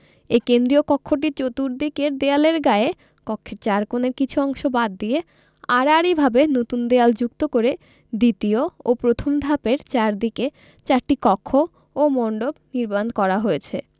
এ কেন্দ্রীয় কক্ষটির চর্তুদিকের দেয়ালের গায়ে কক্ষের চার কোণের কিছু অংশ বাদ দিয়ে আড়াআড়ি ভাবে নতুন দেয়াল যুক্ত করে দ্বিতীয় ও প্রথম ধাপের চারদিকে চারটি কক্ষ ও মন্ডপ নির্মাণ করা হয়েছে